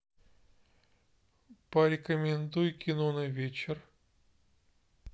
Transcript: порекомендуй кино на вечер